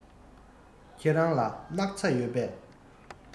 ཁྱེད རང ལ སྣག ཚ ཡོད པས